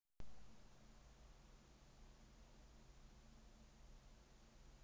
а у меня нормально дела